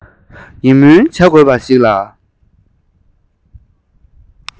ཡིད སྨོན བྱ དགོས པ ཞིག ལ